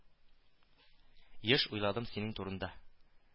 Еш уйладым синең турыңда